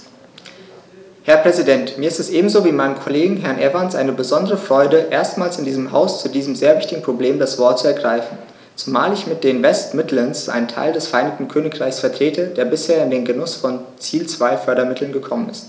Herr Präsident, mir ist es ebenso wie meinem Kollegen Herrn Evans eine besondere Freude, erstmals in diesem Haus zu diesem sehr wichtigen Problem das Wort zu ergreifen, zumal ich mit den West Midlands einen Teil des Vereinigten Königreichs vertrete, der bisher in den Genuß von Ziel-2-Fördermitteln gekommen ist.